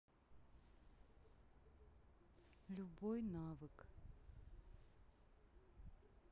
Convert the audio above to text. любой навык